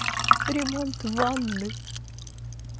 ремонт ванны